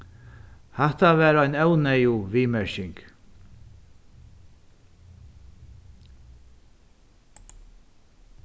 hatta var ein óneyðug viðmerking